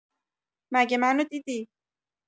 مگه منو دیدی